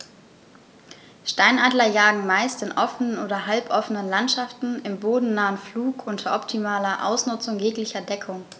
Steinadler jagen meist in offenen oder halboffenen Landschaften im bodennahen Flug unter optimaler Ausnutzung jeglicher Deckung.